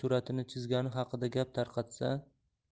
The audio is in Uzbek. suratini chizgani haqida gap tarqatsa